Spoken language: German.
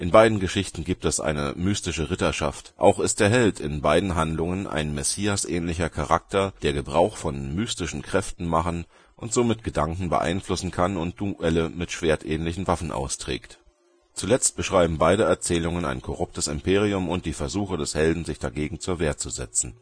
beiden Geschichten gibt es eine mystische Ritterschaft. Auch ist der Held in beiden Handlungen ein Messias-ähnlicher Charakter, der Gebrauch von mystischen Kräften machen und somit Gedanken beeinflussen kann (Jedi-Geistestricks/die Stimme) und Duelle mit schwertähnlichen Waffen austragen. Zuletzt beschreiben beide Erzählungen ein korruptes Imperium und die Versuche des Helden, sich dagegen zu Wehr zu setzen